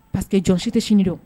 Pariseke jɔn si tɛ sini don